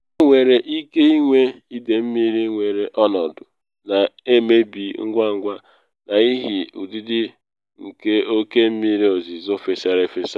Enwere ike ịnwe ide mmiri nwere ọnọdụ na emebi ngwangwa n’ihi ụdịdị nke oke mmiri ozizo fesara efesa.